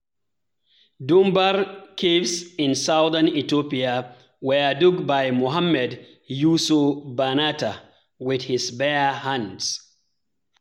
Dunbar caves in southern Ethiopia were dug by Mohammed Yiso Banatah with his bare hands.